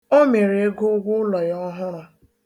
O mere ịkwụ ego ụgwọụlọ ya ọhụrụ